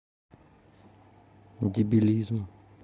дебилиан